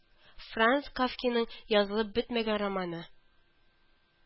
Франц Кафкиның язылып бетмәгән романы